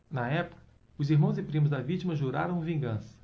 na época os irmãos e primos da vítima juraram vingança